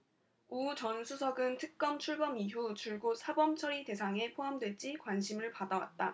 우 전 수석은 특검 출범 이후 줄곧 사법처리 대상에 포함될지 관심을 받아왔다